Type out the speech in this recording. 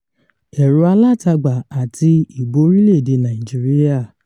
Ẹ̀rọ-alátagbà àti ìbò orílẹ̀-èdè Nàìjíríà